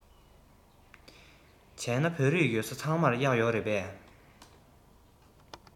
བྱས ན བོད རིགས ཡོད ས ཚང མར གཡག ཡོད རེད པས